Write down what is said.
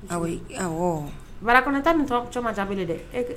Bara kɔnɔta ni cma tawu dɛ